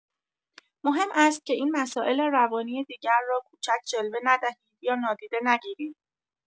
مهم است که این مسائل روانی دیگر را کوچک جلوه ندهید یا نادیده نگیرید.